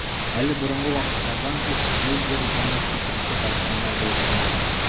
Әле борынгы вакытлардан ук флюгер уңыш китерүче талисманнар булып саналган.